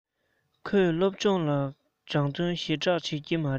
ཁོས སློབ སྦྱོང ལ སྦྱོང བརྩོན ཞེ དྲགས བྱེད ཀྱི མ རེད